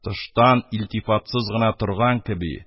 Тыштан илтифатсыз гына торган кеби,